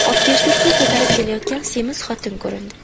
obkashda suv ko'tarib kelayotgan semiz xotin ko'rindi